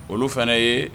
Olu fana ye